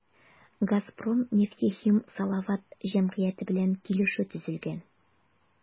“газпром нефтехим салават” җәмгыяте белән килешү төзелгән.